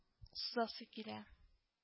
Сузасы килә